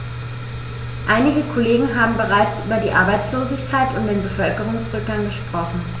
Einige Kollegen haben bereits über die Arbeitslosigkeit und den Bevölkerungsrückgang gesprochen.